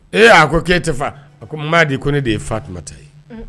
Ee a ko, k'e tɛ fa, a ko Madi ne de ye Fatumata ye.